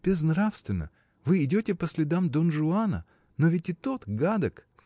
— Безнравственно: вы идете по следам Дон Жуана: но ведь и тот гадок.